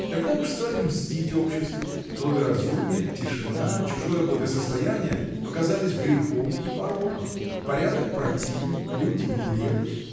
Тогда уж стали мстить обществу: благоразумие, тишина, чужое благосостояние показались грехом и пороком, порядок противен, люди нелепы.